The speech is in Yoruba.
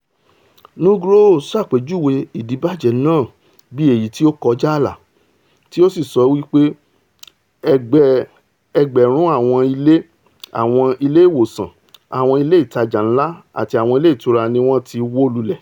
Nugroho ṣàpèjúwe ìdibàjẹ́ náà bíi èyití ''ó kọjá ààlà'' tí ó sì sọ pé ẹgbẹ-ẹgbẹ̀rún àwọn ilé, àwọn ilé-ìwòsàn, àwọn ilé ìtaja ńlá àti àwọn ilé-ìtura niwọ́n ti wó lulẹ̀.